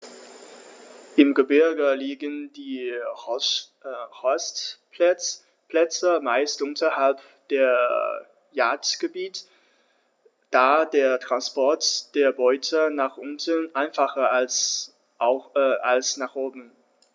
Im Gebirge liegen die Horstplätze meist unterhalb der Jagdgebiete, da der Transport der Beute nach unten einfacher ist als nach oben.